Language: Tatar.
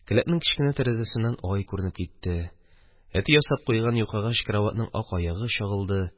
Келәтнең кечкенә тәрәзәсеннән ай күренеп китте, әти ясап куйган юкагач караватның ак аягы чагылды.